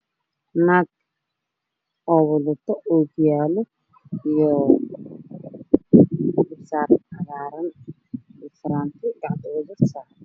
Qolka banan kiisa waa yaalo labo sakeel mid yar iyo mid weyn